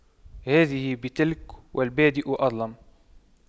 هذه بتلك والبادئ أظلم